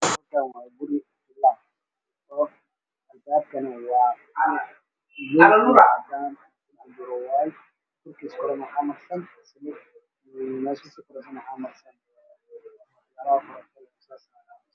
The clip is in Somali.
Meshan waxaa waa albaab cadaan iyo madow